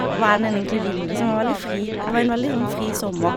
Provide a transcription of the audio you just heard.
Hva enn en egentlig ville, som var veldig fri det var en veldig sånn fri sommer.